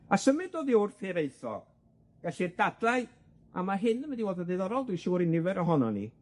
A symud oddi wrth hireitho, gellir dadlau, a ma' hyn yn mynd i fod yn ddiddorol dwi'n siŵr i nifer ohonon ni